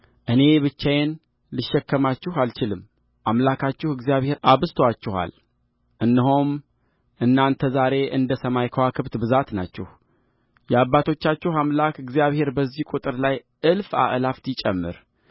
እኔ ብቻዬን ልሸከማችሁ አልችልምአምላካችሁ እግዚአብሔር አብዝቶአችኋል እነሆም እናንተ ዛሬ እንደ ሰማይ ከዋክብት ብዛት ናችሁየአባቶቻችሁ አምላክ እግዚአብሔር በዚህ ቁጥር ላይ እልፍ አእላፋት ይጨምር